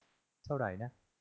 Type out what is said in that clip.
เท่าไรนะ